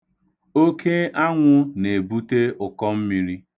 Oke anwụ na-ebute ụkọmmiri.